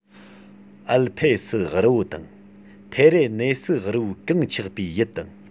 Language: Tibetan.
ཨལ ཕེ སི རི བོ དང ཕེ རེ ནེ སི རི བོའི གངས ཆགས པའི ཡུལ དང